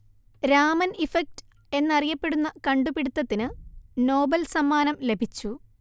Raman effect എന്നറിയപ്പെടുന്ന കണ്ടുപിടിത്തത്തിന് Nobel സമ്മാനം ലഭിച്ചു